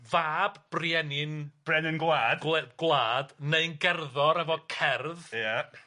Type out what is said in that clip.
fab brienin... Brenin gwlad. ...gwle- gwlad neu'n gerddor efo cerdd. Ia.